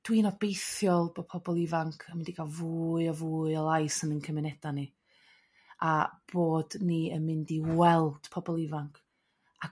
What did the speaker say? dw i'n obeithiol bo' pobol ifanc yn mynd i ga'l fwy a fwy o lais yn 'yn cymuneda' ni a bod ni yn mynd i weld pobl ifanc a